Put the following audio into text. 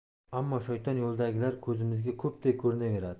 ammo shayton yo'lidagilar ko'zimizga ko'pday ko'rinaveradi